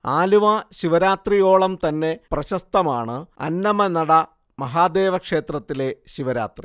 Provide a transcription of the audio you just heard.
ആലുവ ശിവരാത്രിയോളം തന്നെ പ്രശസ്തമാണ് അന്നമനട മഹാദേവ ക്ഷേത്രത്തിലെ ശിവരാത്രി